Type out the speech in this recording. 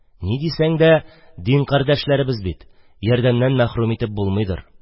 Ни дисәң дә, дин кардәшләребез бит, ярдәмнән мәхрүм итеп булмыйдыр.